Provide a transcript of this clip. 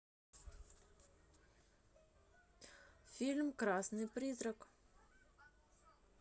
фильм красный призрак